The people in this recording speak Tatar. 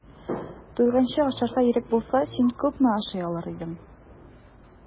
Туйганчы ашарга ирек булса, син күпме ашый алыр идең?